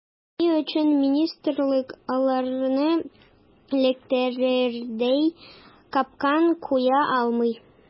Ни өчен министрлык аларны эләктерердәй “капкан” куя алмый.